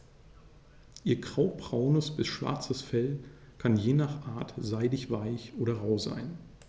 Ihr graubraunes bis schwarzes Fell kann je nach Art seidig-weich oder rau sein.